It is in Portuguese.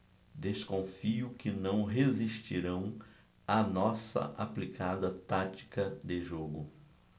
desconfio que não resistirão à nossa aplicada tática de jogo